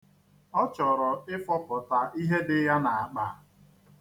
Ọ chọrọ ịfọpụta ihe dị ya n'akpa.